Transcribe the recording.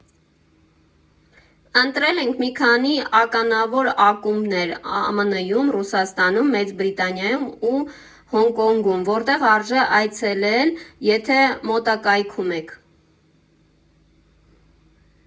Ընտրել ենք մի քանի ականավոր ակումբներ ԱՄՆ֊ում, Ռուսաստանում, Մեծ Բրիտանիայում ու Հոնկոնգում, որտեղ արժե այցելել, եթե մոտակայքում եք։